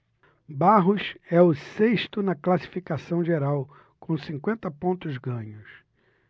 barros é o sexto na classificação geral com cinquenta pontos ganhos